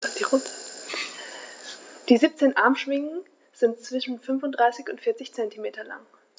Die 17 Armschwingen sind zwischen 35 und 40 cm lang.